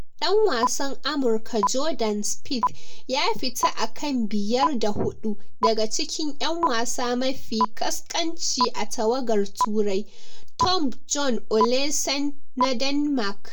Dan wasan Amurka Jordan Spieth ya fita akan 5&4 daga cikin 'yan wasa mafi ƙasƙanci a tawagar Turai, Thorbjorn Olesen na Denmark.